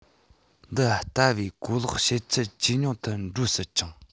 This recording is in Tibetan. འདི ལྟ བུའི གོ ལོག བྱེད ཚད ཇེ ཉུང དུ འགྲོ སྲིད ཅིང